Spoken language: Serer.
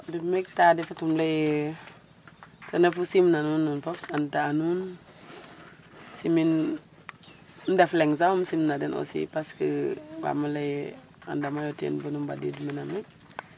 Meem wegta koy ten refu ye ten refu simna nuun nun fop sante'a nuun simin ndef leng sax um simna den aussi parce que kaam lay ee a ndama yo ten bon mbadiid mene.